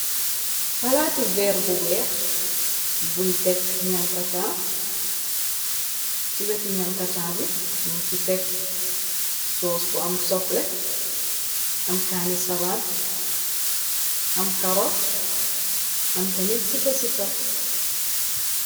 Palaati veer bu weex buñ tekk nankataa ci weti nankataa bi num ci tekk soos bu am sople am kanni salaat am karot am tamit sipa sipa.